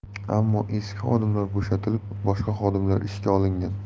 ammo eski xodimlar bo'shatilib boshqa xodimlar ishga olingan